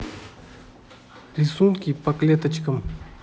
рисунки по клеточкам